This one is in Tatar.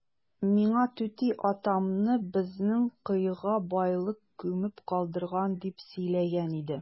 Миңа түти атамны безнең коега байлык күмеп калдырган дип сөйләгән иде.